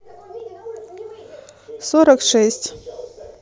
сорок шесть